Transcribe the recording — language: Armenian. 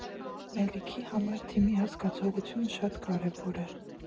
Մելիքի համար թիմի հասկացողությունը շատ կարևոր է։